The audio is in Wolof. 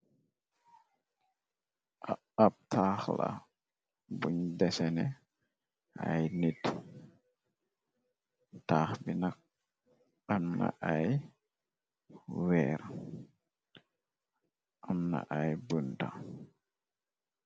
Ab taax la bun desene ay nit taax bi nak amna ay weer amna ay bunta.